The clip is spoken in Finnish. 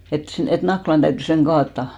että sen - että Nakkilan täytyy sen kaataa